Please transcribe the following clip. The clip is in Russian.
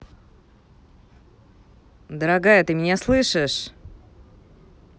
дорогая ты меня слышишь